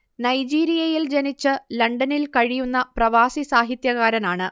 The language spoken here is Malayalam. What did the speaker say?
നൈജീരിയയിൽ ജനിച്ച് ലണ്ടനിൽ കഴിയുന്ന പ്രവാസി സാഹിത്യകാരനാണ്